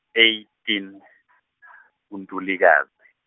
eighteen uNtulikazi.